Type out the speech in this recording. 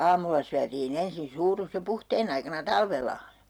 aamulla syötiin ensin suurus jo puhteen aikana talvella